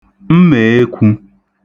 mmèekwū